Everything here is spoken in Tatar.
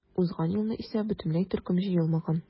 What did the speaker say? Узган елны исә бөтенләй төркем җыелмаган.